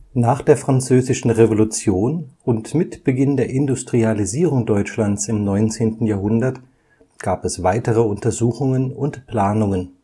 Nach der Französischen Revolution und mit Beginn der Industrialisierung Deutschlands im 19. Jahrhundert gab es weitere Untersuchungen und Planungen